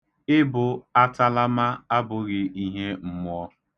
Ịbụ atalama abụghị ihe mmụọ.